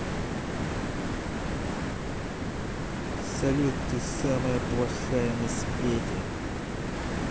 салют ты самая плохая на свете